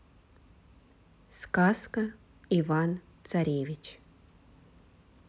сказка иван царевич